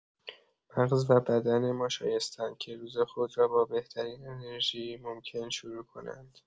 مغز و بدن ما شایسته‌اند که روز خود را با بهترین انرژی ممکن شروع کنند.